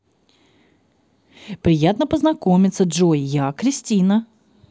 приятно познакомиться джой я кристина